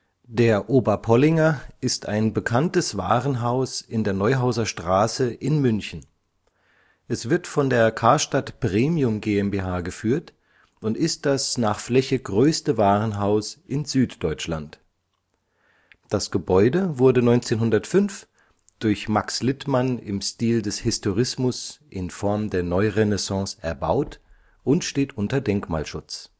Der Oberpollinger ist ein bekanntes Warenhaus in der Neuhauser Straße in München. Es wird von der Karstadt Premium GmbH geführt und ist das nach Fläche größte Warenhaus in Süddeutschland. Das Gebäude wurde 1905 durch Max Littmann im Stil des Historismus in Form der Neurenaissance erbaut und steht unter Denkmalschutz